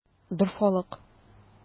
Дорфалык!